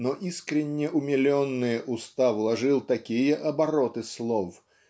но искренне умиленные уста вложил такие обороты слов